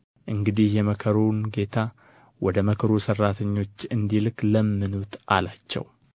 እንግዲህ የመከሩን ጌታ ወደ መከሩ ሠራተኞች እንዲልክ ለምኑት አላቸው